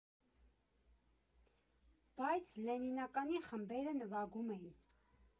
Բայց Լենինականի խմբերը նվագում էին։